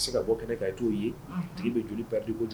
A se ka bɔ kɛnɛ t'o ye tigi bɛ joli bara di